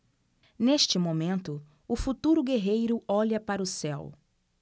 neste momento o futuro guerreiro olha para o céu